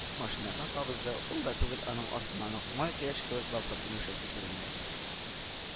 Машинасын кабызды. Ул да түгел, аның артыннан ук май кояшы кебек балкып Миләүшәсе күренде